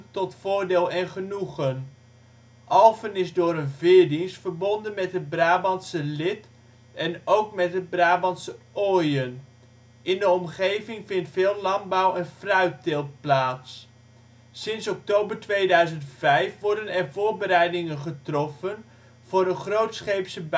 Tot Voordeel en Genoegen. Alphen is door een veerdienst verbonden met het Brabantse Lith, en ook met het Brabantse Oijen. In de omgeving vindt veel landbouw en fruitteelt plaats. Sinds oktober 2005 worden er voorbereidingen getroffen voor een grootscheepse